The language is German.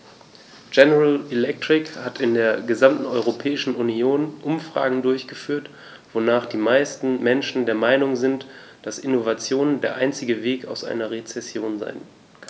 General Electric hat in der gesamten Europäischen Union Umfragen durchgeführt, wonach die meisten Menschen der Meinung sind, dass Innovation der einzige Weg aus einer Rezession ist.